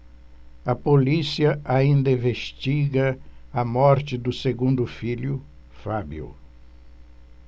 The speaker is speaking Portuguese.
a polícia ainda investiga a morte do segundo filho fábio